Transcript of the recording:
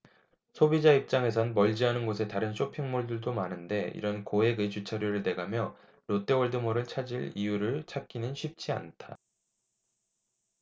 소비자 입장에선 멀지 않은 곳에 다른 쇼핑 몰들도 많은데 이런 고액의 주차료를 내가며 롯데월드몰을 찾을 이유를 찾기는 쉽지 않다